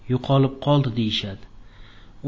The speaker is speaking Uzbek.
yo'qolib qoldi deyishadi